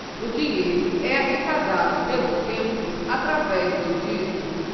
o dinheiro é arrecadado pelos templos através do dízimo